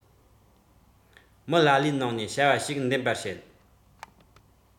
མི ལ ལས ནང ནས བྱ བ ཞིག འདེམས པ བྱེད